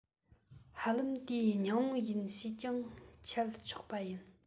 ཧ ལམ དེའི སྙིང བོ ཡིན ཞེས ཀྱང འཆད ཆོག པ ཡིན